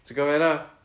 Ti'n cofio hynna?